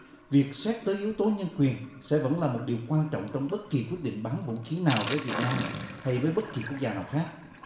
việc xét tới yếu tố nhân quyền sẽ vẫn là một điều quan trọng trong bất kỳ quyết định bán vũ khí nào với việt nam hay với bất kỳ quốc gia nào khác